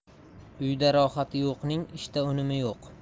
uyda rohati yo'qning ishda unumi yo'q